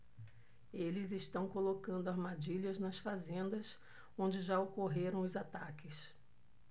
eles estão colocando armadilhas nas fazendas onde já ocorreram os ataques